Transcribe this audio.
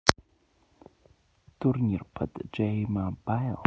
турнир под j мобайл